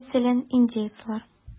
Мәсәлән, индеецлар.